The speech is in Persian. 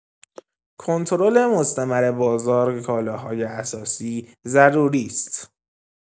کنترل مستمر بازار کالاهای اساسی ضروری است.